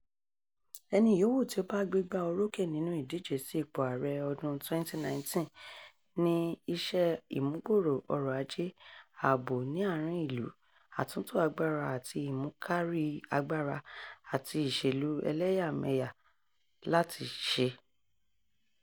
Ẹni yòówù tí ó bá gbégbá-orókè nínú ìdíje sí ipò ààrẹ ọdún 2019 ní iṣẹ́ ìmúgbòòrò ọrọ̀ Ajé, ààbò ní àárín ìlú, àtúntò agbára àti ìmúkárí agbára, àti ìṣèlú elẹ́yàmẹyà làti ṣe.